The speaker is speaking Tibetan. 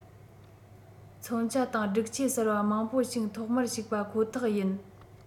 མཚོན ཆ དང སྒྲིག ཆས གསར པ མང པོ ཞིག ཐོག མར ཞུགས པ ཁོ ཐག ཡིན